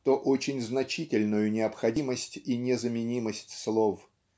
то очень значительную необходимость и незаменимость слов.